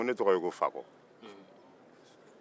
ko ne tɔgɔ ye fakɔ